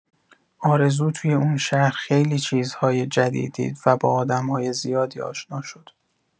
آرزو توی اون شهر خیلی چیزهای جدید دید و با آدم‌های زیادی آشنا شد.